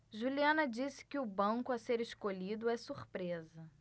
juliana disse que o banco a ser escolhido é surpresa